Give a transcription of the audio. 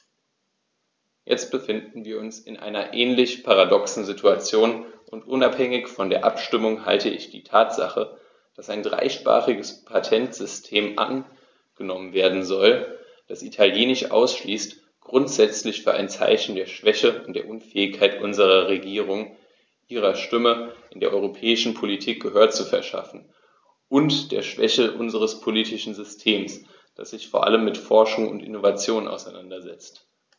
Jetzt befinden wir uns in einer ähnlich paradoxen Situation, und unabhängig von der Abstimmung halte ich die Tatsache, dass ein dreisprachiges Patentsystem angenommen werden soll, das Italienisch ausschließt, grundsätzlich für ein Zeichen der Schwäche und der Unfähigkeit unserer Regierung, ihrer Stimme in der europäischen Politik Gehör zu verschaffen, und der Schwäche unseres politischen Systems, das sich vor allem mit Forschung und Innovation auseinandersetzt.